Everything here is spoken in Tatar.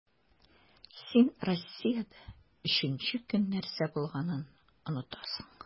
Син Россиядә өченче көн нәрсә булганын онытасың.